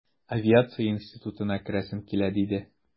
Авиация институтына керәсем килә, диде...